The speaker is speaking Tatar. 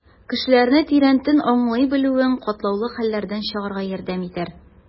Кешеләрне тирәнтен аңлый белүең катлаулы хәлләрдән чыгарга ярдәм итәр.